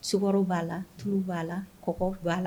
Sikaro ba la, tulu ba la ,kɔkɔ ba la.